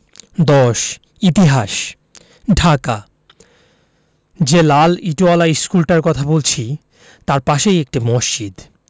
১০ ইতিহাস ঢাকা যে লাল ইটোয়ালা ইশকুলটার কথা বলছি তার পাশেই একটা মসজিদ